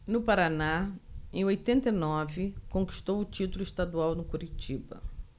no paraná em oitenta e nove conquistou o título estadual no curitiba